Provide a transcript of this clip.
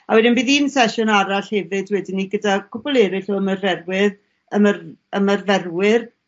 a wedyn bydd un sesiwn arall hefyd wedyn 'ny ni gyda cwpwl eryll o ymarferwydd ymar- ymarferwyr